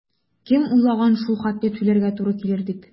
Кем уйлаган шул хәтле түләргә туры килер дип?